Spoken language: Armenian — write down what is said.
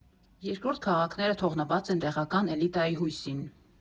Երկրորդ քաղաքները թողնված են տեղական էլիտայի հույսին։